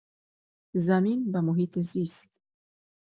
زمین و محیط‌زیست